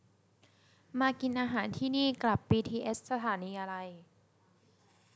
มากินอาหารที่นี่กลับบีทีเอสสถานีอะไร